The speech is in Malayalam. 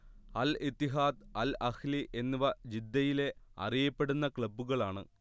അൽ ഇത്തിഹാദ് അൽ അഹ്ലി എന്നിവ ജിദ്ദയിലെ അറിയപ്പെടുന്ന ക്ലബ്ബുകളാണ്